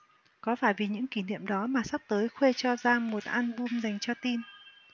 có phải vì những kỷ niệm đó mà sắp tới khuê cho ra một album dành cho teen